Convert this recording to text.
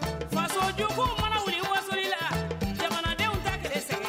Wajuguko mana wuli waso la jamanadenw tɛ tile san